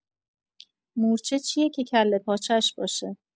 مورچه چیه که کله‌پاش باشه